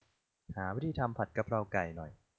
หาวิธีทำผัดกะเพราไก่หน่อย